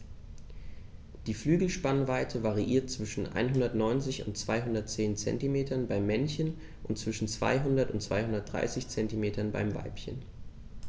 Die Flügelspannweite variiert zwischen 190 und 210 cm beim Männchen und zwischen 200 und 230 cm beim Weibchen.